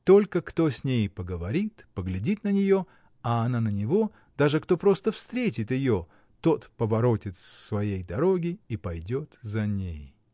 Только кто с ней поговорит, поглядит на нее, а она на него, даже кто просто встретит ее, тот поворотит с своей дороги и пойдет за ней.